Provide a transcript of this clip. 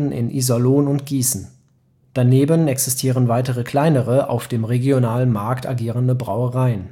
in Iserlohn und Gießen. Daneben existieren weitere kleinere, auf dem regionalen Markt agierende Brauereien